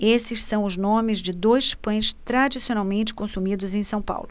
esses são os nomes de dois pães tradicionalmente consumidos em são paulo